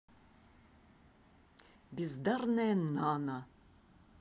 бездарная нана